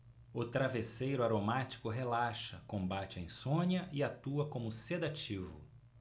o travesseiro aromático relaxa combate a insônia e atua como sedativo